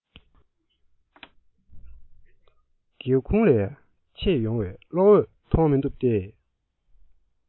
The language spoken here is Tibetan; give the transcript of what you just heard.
སྒེའུ ཁུང ལས མཆེད ཡོང བའི གློག འོད མཐོང མི ཐུབ སྟེ